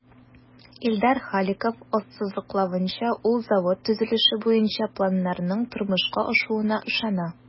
Илдар Халиков ассызыклавынча, ул завод төзелеше буенча планнарның тормышка ашуына ышана.